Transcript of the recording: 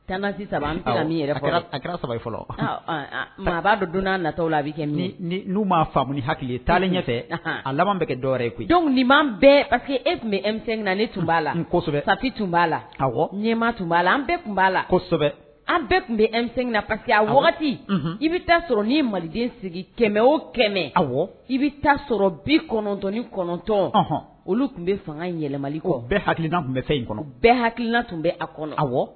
Tan an saba a b'a don donna'a nata la a bɛ kɛ ma faamumu ha taa ɲɛfɛ a laban bɛ kɛ dɔwɛrɛ ye koyi dɔnku nin bɛɛ pa que e tun bɛ eina tun b' lasɛbɛ paki tun b'a la ɲɛma tun b'a la an bɛɛ tun b'a la an bɛɛ tun bɛgina paseke a i bɛ taa sɔrɔ ni maliden sigi kɛmɛ o kɛmɛ i bɛ taa sɔrɔ bi kɔnɔntɔni kɔnɔntɔn olu tun bɛ fanga yɛlɛma kɔ bɛɛ hakiliina tun bɛ fɛ kɔnɔ bɛɛ hakiina tun bɛ a kɔnɔ